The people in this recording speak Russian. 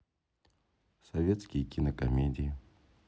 советские кинокомедии